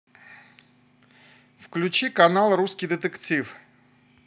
включи канал русский детектив